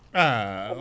aah